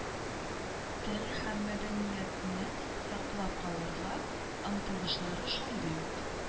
Тел һәм мәдәниятне саклап калырга омтылышлары шундый ук.